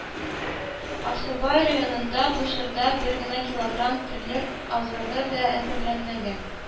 Аксубай районында бу чорда бер генә килограмм терлек азыгы да әзерләнмәгән